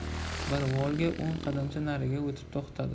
bir volga o'n qadamcha nariga o'tib to'xtadi